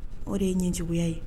O de ye ɲɛ juguya ye